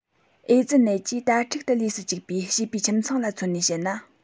ཨེ ཙི ནད ཀྱིས དྭ ཕྲུག ཏུ ལུས སུ བཅུག པའི བྱིས པའི ཁྱིམ ཚང ལ མཚོན ནས བཤད ན